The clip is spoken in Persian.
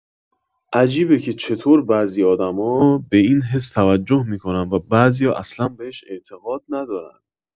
عجیبه که چطور بعضی آدما به این حس توجه می‌کنن و بعضیا اصلا بهش اعتقاد ندارن.